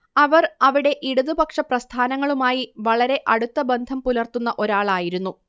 അവർ അവിടെ ഇടതുപക്ഷപ്രസ്ഥാനങ്ങളുമായി വളരെ അടുത്ത ബന്ധം പുലർത്തുന്ന ഒരാളായിരുന്നു